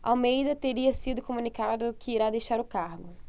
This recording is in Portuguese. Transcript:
almeida teria sido comunicado que irá deixar o cargo